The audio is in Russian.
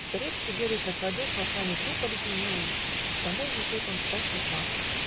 Зарецкий бережно кладет На сани труп оледенелый; Домой везет он страшный клад.